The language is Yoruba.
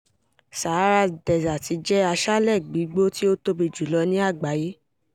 Sahara Desert jẹ́ aṣálẹ̀ gbígbó tí ó tóbi jùlọ ní àgbáyé.